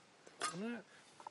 Hwna.